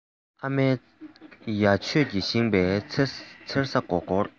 ཨ མའི ཡ ཐོད ཀྱིས བཞེངས པའི མཚེར ས སྒོར སྒོར